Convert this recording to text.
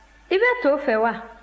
i bɛ to fɛ wa